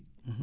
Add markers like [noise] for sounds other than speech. [hesitation] [hesitation]